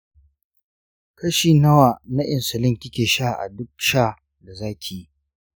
kashi nawa na insulin kike sha a duk sha da zakiyi?